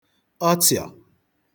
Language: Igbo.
ọsịọ̀